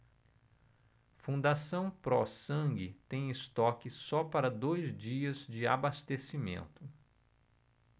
fundação pró sangue tem estoque só para dois dias de abastecimento